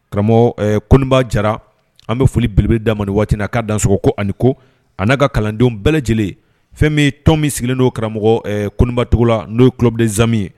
Karamɔgɔ koba jara an bɛ foli beleb da man waati na k'a dan sɔgɔ ko ani ko a n'a ka kalandenw bɛɛ lajɛlen fɛn bɛ tɔn min sigilen don karamɔgɔ kobacogo lala n'o ye kubden zanimi ye